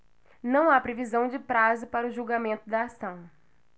não há previsão de prazo para o julgamento da ação